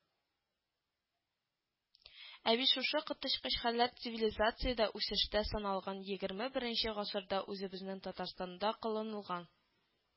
Ә бит шушы коточкыч хәлләр цивилизация үсештә саналган егерме беренче гасырда үзебезнең Татарстанда кылынылган